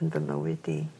yn fy mywyd i.